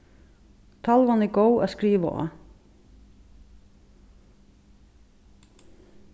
talvan er góð at skriva á